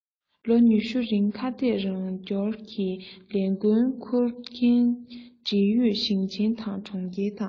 ལོ རིང ཁ གཏད རོགས སྐྱོར གྱི ལས འགན ཁུར མཁན འབྲེལ ཡོད ཞིང ཆེན དང གྲོང ཁྱེར དང